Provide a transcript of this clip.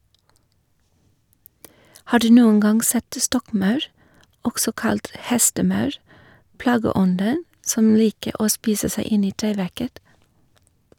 Har du noen gang sett stokkmaur, også kalt hestemaur, plageånden som liker å spise seg inn i treverket?